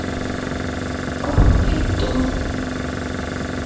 круг ютуб